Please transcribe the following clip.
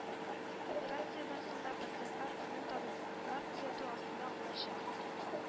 Операциядән соң да пациентлар безнең табиблар күзәтү астында калачак